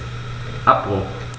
Abbruch.